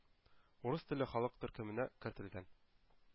«урыс телле халык» төркеменә кертелгән